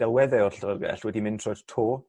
delwedde o'r llyfyrgell wedi mynd trwy'r to.